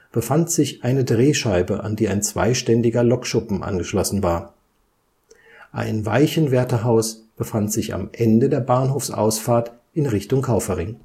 befand sich eine Drehscheibe, an die ein zweiständiger Lokschuppen angeschlossen war. Ein Weichenwärterhaus befand sich am Ende der Bahnhofsausfahrt in Richtung Kaufering